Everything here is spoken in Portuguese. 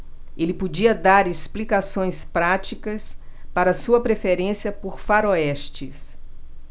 ele podia dar explicações práticas para sua preferência por faroestes